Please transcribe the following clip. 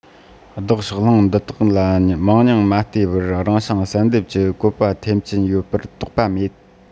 བདག ཕྱོགས ལྷུང འདི དག ལ མང ཉུང མ བལྟོས པར རང བྱུང བསལ འདེམས ཀྱི བཀོད པ ཐེབས ཀྱིན ཡོད པར དོགས པ མེད